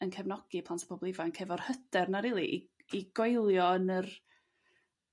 yn cefnogi plant a pobol ifanc efo'r hyder 'na rili i goelio yn yr